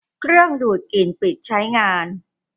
เครื่องดูดกลิ่นปิดใช้งาน